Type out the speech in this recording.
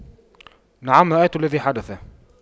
نعم رأيت الذي حدث